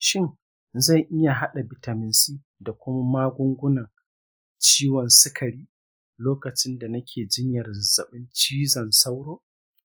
shin zan iya hada bitamin c da kuma magugunan ciwon sikari lokacin da nake jinyar zazzabin cizon sauro?